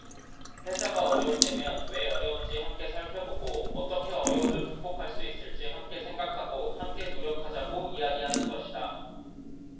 회사가 어려울 때면 왜 어려운지 함께 살펴보고 어떻게 어려움을 극복할 수 있을지 함께 생각하고 함께 노력하자고 이야기하는 것이다